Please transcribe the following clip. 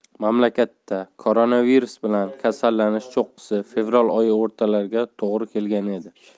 mamlakatda koronavirus bilan kasallanish cho'qqisi fevral oyi o'rtalariga to'g'ri kelgan edi